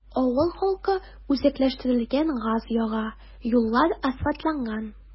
Авыл халкы үзәкләштерелгән газ яга, юллар асфальтланган.